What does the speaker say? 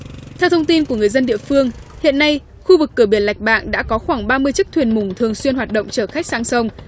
theo thông tin của người dân địa phương hiện nay khu vực cửa biển lạch bạng đã có khoảng ba mươi chiếc thuyền mủng thường xuyên hoạt động chở khách sang sông